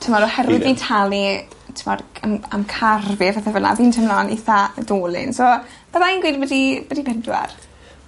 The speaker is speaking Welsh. t'mo' oherwydd fi'n talu t'mod am am car fi a pethe fel 'na fi'n teimlo'n eitha odolyn so bydda i'n gweud byti byti pedwar.